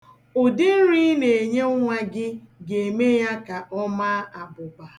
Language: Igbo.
Ụdị nri ị na-enye nwa gị ga-eme ya ka ọ maa abụba.